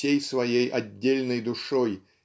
всей своей отдельной душой